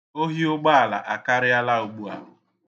ohi ụgbọala akarịala ugbụ a